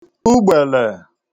ugbèlè